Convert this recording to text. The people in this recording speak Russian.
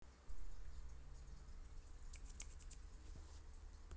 айзе